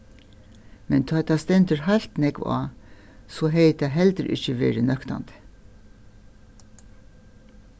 men tá ið tað stendur heilt nógv á so hevði tað heldur ikki verið nøktandi